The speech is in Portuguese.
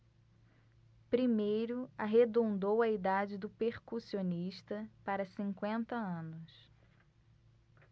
primeiro arredondou a idade do percussionista para cinquenta anos